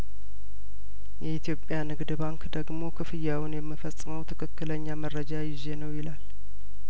የኢትዮጵያ ንግድ ባንክ ደግሞ ክፍያውን የም ፈጽመው ትክክለኛ መረጃ ይዤ ነው ይላል